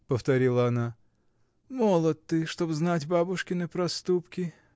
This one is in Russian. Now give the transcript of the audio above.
— повторила она, — молод ты, чтоб знать бабушкины проступки.